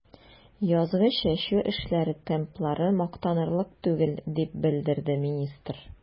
Язгы чәчү эшләре темплары мактанырлык түгел, дип белдерде министр.